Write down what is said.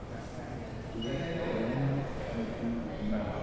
quyosh qoraymas oltin zanglamas